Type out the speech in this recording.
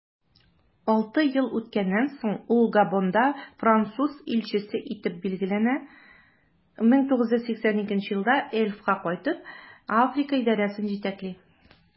Алты ел үткәннән соң, ул Габонда француз илчесе итеп билгеләнә, 1982 елда Elf'ка кайтып, Африка идарәсен җитәкли.